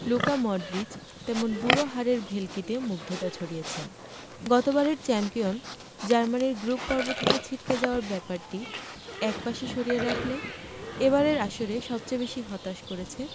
Luka Modric তেমনি বুড়ো হাড়ের ভেলকিতে মুগ্ধতা ছড়িয়েছেন গতবারের চ্যাম্পিয়ন জার্মানির গ্রুপপর্ব থেকে ছিটকে যাওয়ার ব্যাপারটি একপাশে সরিয়ে রাখলে এবারের আসরে সবচেয়ে বেশি হতাশ করেছে